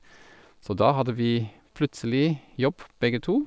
Så da hadde vi plutselig jobb begge to.